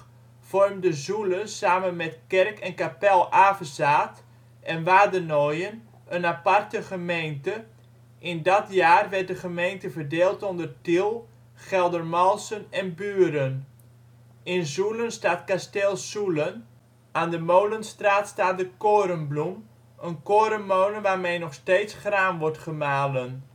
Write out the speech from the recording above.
vormde Zoelen samen met Kerk - en Kapel-Avezaath en Wadenoijen een aparte gemeente, in dat jaar werd de gemeente verdeeld onder Tiel, Geldermalsen en Buren. In Zoelen staat kasteel Soelen. Aan de Molenstraat staat De Korenbloem, een korenmolen waarmee nog steeds graan wordt gemalen